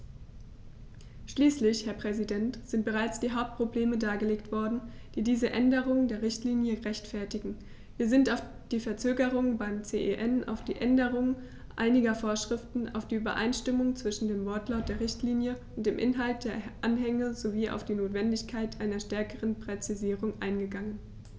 Schließlich, Herr Präsident, sind bereits die Hauptprobleme dargelegt worden, die diese Änderung der Richtlinie rechtfertigen, wir sind auf die Verzögerung beim CEN, auf die Änderung einiger Vorschriften, auf die Übereinstimmung zwischen dem Wortlaut der Richtlinie und dem Inhalt der Anhänge sowie auf die Notwendigkeit einer stärkeren Präzisierung eingegangen.